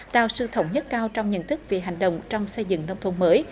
tạo sự thống nhất cao trong nhận thức về hành động trong xây dựng nông thôn mới